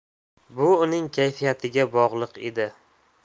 bu uning kayfiyatiga bog'liq edi